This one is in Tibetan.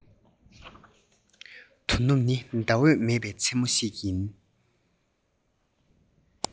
དོ ནུབ ནི ཟླ འོད མེད པའི མཚན མོ ཞིག ཡིན